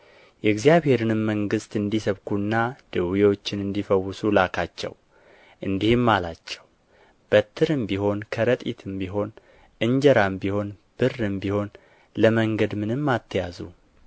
የእግዚአብሔርንም መንግሥት እንዲሰብኩና ድውዮችን እንዲፈውሱ ላካቸው እንዲህም አላቸው በትርም ቢሆን ከረጢትም ቢሆን እንጀራም ቢሆን ብርም ቢሆን ለመንገድ ምንም አትያዙ